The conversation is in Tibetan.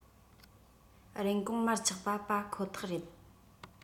རིན གོང མར ཆག པ པ ཁོ ཐག རེད